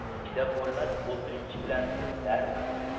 chidab bo'lmas o'kinch bilan eslar